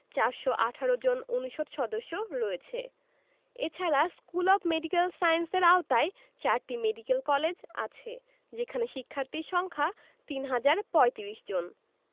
৪১৮ জন অনুষদ সদস্য রয়েছে এছাড়া স্কুল অব মেডিক্যাল সায়েন্সের আওতায় চারটি মেডিক্যাল কলেজ আছে যেখানে শিক্ষার্থীর সংখ্যা ৩ হাজার ৩৫ জন